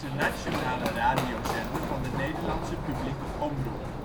nationale radiozender van de Nederlandse Publieke Omroep